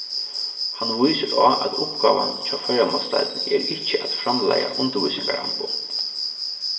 hann vísir á at uppgávan hjá føroyamálsdeildini er ikki at framleiða undirvísingaramboð